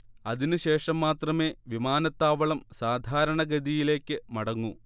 അതിന് ശേഷം മാത്രമേ വിമാനത്താവളം സാധാരണഗതിയിലേക്ക് മടങ്ങൂ